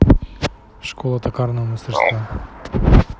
школа токарного мастерства